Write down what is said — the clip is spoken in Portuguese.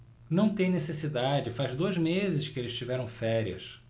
não tem necessidade faz dois meses que eles tiveram férias